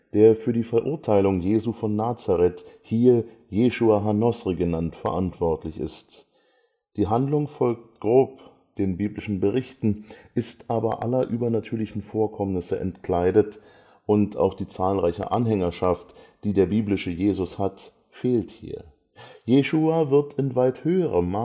der für die Verurteilung Jesu von Nazareth, hier Jeschua ha-Nozri genannt, verantwortlich ist. Die Handlung folgt zwar grob den biblischen Berichten, ist aber aller übernatürlichen Vorkommnisse entkleidet, und auch die zahlreiche Anhängerschaft, die der biblische Jesus hat, fehlt hier. Jeschua wird in weit höherem